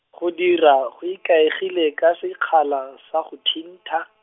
go dira, go ikaegile ka sekgala, sa go thintha.